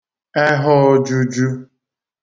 ehọōjūjū